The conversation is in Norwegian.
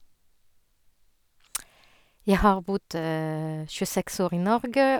Jeg har bodd tjueseks år i Norge.